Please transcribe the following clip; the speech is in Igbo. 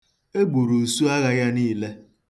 E gburu usuagha ya niile.